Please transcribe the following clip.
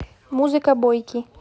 музыка бойки